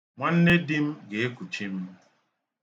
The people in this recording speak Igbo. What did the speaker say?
Nwanne di m ga-ekuchi m.